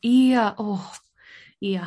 Ia, o! Ia...